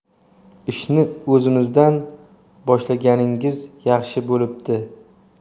ishni o'zimizdan boshlaganingiz yaxshi bo'libdi